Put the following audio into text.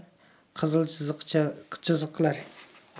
qizil chiziqlar